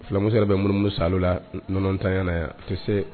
Filamuso bɛ munummu saalo la yan nɔnɔtanya na yan, a tɛ se